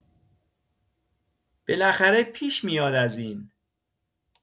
بالاخره پیش میاد از این